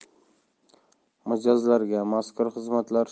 mijozlarga manzur xizmatlar